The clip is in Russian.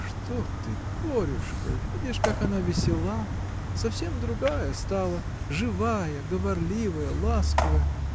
— Что ты, Борюшка, видишь, как она весела, совсем другая стала: живая, говорливая, ласковая.